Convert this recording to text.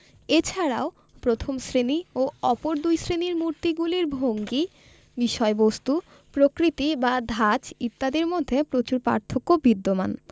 এছাড়াও প্রথম শ্রেণি ও অপর দুই শ্রেণীর মূর্তিগুলির ভঙ্গি বিষয়বস্ত্ত প্রকৃতি বা ধাঁচ ইত্যাদির মধ্যে প্রচুর পার্থক্য বিদ্যমান